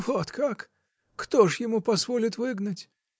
— Вот как: кто ж ему позволит выгнать!